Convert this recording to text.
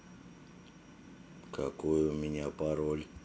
какой у меня пароль